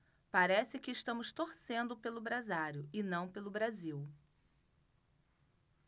parece que estamos torcendo pelo brasário e não pelo brasil